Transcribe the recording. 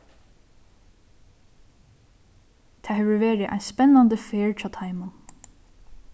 tað hevur verið ein spennandi ferð hjá teimum